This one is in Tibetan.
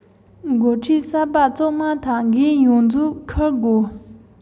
ནོར ནའང འདྲ འགྲིག ནའང འདྲ